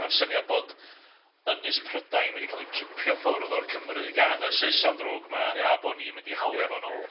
A'r syniad bod yn Ynys Prydain wedi cael ei cipio ffwrdd o'r Cymry gan y Saeson drwg 'ma a bo' ni'n mynd i hawlio fo'n ôl.